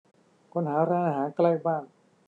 ค้นหาร้านอาหารใกล้บ้าน